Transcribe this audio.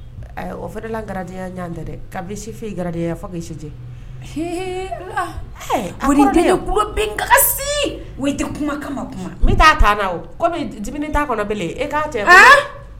O fɛ de la garidenyaya jan dɛ kabife gariya fɔsi tɛ kuma kuma n taa taa na kɔmi di' kɔnɔb e k'a cɛ